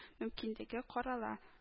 Мөмкинлеге карала